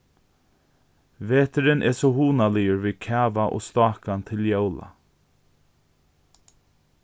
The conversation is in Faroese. veturin er so hugnaligur við kava og stákan til jóla